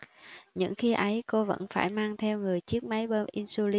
những khi ấy cô vẫn phải mang theo người chiếc máy bơm insulin